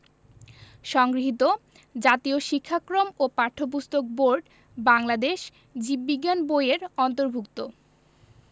সংগৃহীত জাতীয় শিক্ষাক্রম ও পাঠ্যপুস্তক বোর্ড বাংলাদেশ জীব বিজ্ঞান বই এর অন্তর্ভুক্ত